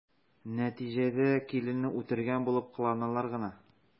Нәтиҗәдә киленне үтергән булып кыланалар гына.